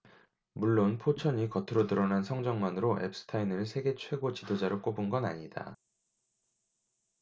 물론 포천이 겉으로 드러난 성적만으로 엡스타인을 세계 최고 지도자로 꼽은 건 아니다